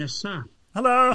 ...nesa'... Helo!